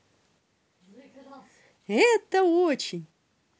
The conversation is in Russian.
это очень